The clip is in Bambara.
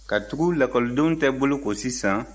katugu lakɔlidenw tɛ boloko sisan